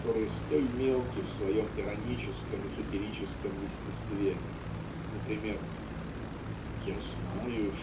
которые столь мелки в своем ироническом и сатирическом естестве например "Я знаю